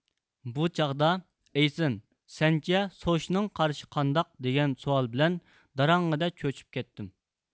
بۇ چاغدا ئېيسېن سەنچە سوشنىڭ قارىشى قانداق دېگەن سوئال بىلەن داراڭڭىدە چۆچۈپ كەتتىم